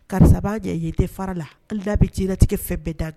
Karisa b'a n jɛ ye, tɛ fara ala hali n'a bɛ diɲɛlatigɛ fɛ bɛɛ da n kan!